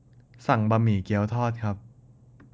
สั่งบะหมี่เกี๋ยวทอดครับ